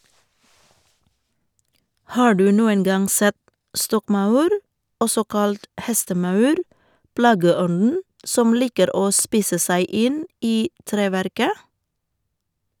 Har du noen gang sett stokkmaur, også kalt hestemaur, plageånden som liker å spise seg inn i treverket?